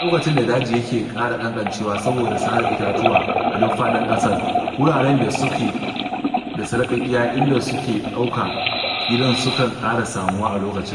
A lokacin da daji yake ƙara ƙanƙancewa saboda sare itatuwa a duk faɗin ƙasar, wuraren da suke da sarƙaƙiya inda suke ɗauka gida sukan ƙara samuwa a lokacin.